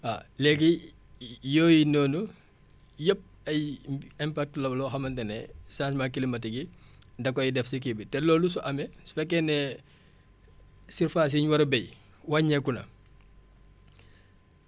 waaw léegi yooyu noonu yëpp ay impacts la loo xamante ne changement climatique yi da koy def si kii bi te loolu su amee su fekkee ne surfaces yi ñu war a béy wàññeeku na